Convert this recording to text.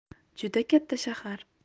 juda katta shahar